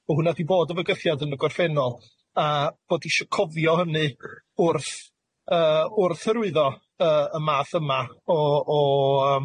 Ma' hwn'na wedi bod yn fygythiad yn y gorffennol, a bod isio cofio hynny wrth yy wrth hyrwyddo yy y math yma o o yym